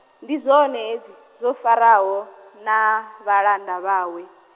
ndi zwone hezwi, zwo Faraho, na, vhalanda vhawe.